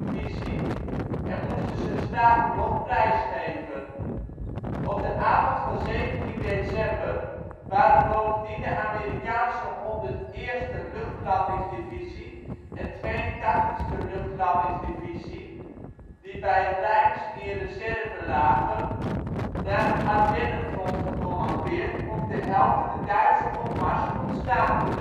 divisie en moesten ze Stavelot prijsgeven. In de avond van 17 december waren bovendien de Amerikaanse 101e Luchtlandingsdivisie en 82e Luchtlandingsdivisie, die bij Reims in reserve lagen, naar het Ardennenfront gecommandeerd om te helpen de Duitse opmars tot staan te brengen